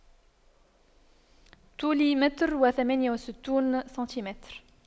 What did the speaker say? طولي متر وثمانية وستون سنتيمتر